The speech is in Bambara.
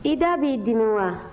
i da b'i dimi wa